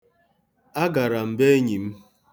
Agara m be enyi m.